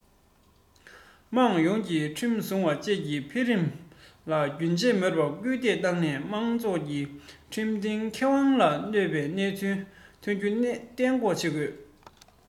དམངས ཡོངས ཀྱིས ཁྲིམས སྲུང བ བཅས ཀྱི འཕེལ རིམ ལ རྒྱུན ཆད མེད པར སྐུལ འདེད བཏང ནས མང ཚོགས ཀྱི ཁྲིམས མཐུན ཁེ དབང ལ གནོད པའི གནས ཚུལ ཐོན རྒྱུ གཏན འགོག བྱེད དགོས